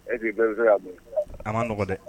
Eseke bɛɛ' bon an ma n nɔgɔ dɛ